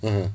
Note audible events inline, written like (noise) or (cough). (hesitation) (hesitation)